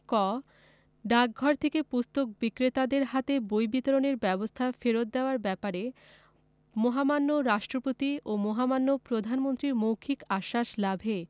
ক ডাকঘর থেকে পুস্তক বিক্রেতাদের হাতে বই বিতরণ ব্যবস্থা ফেরত দেওয়ার ব্যাপারে মহামান্য রাষ্ট্রপতি ও মাননীয় প্রধানমন্ত্রীর মৌখিক আশ্বাস লাভে